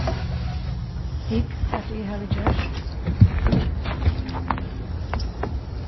hygg hvat eg havi gjørt